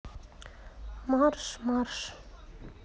марш марш